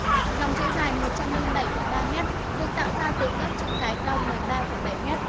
dòng chữ dài m được tạo ra từ các chữ cái cao m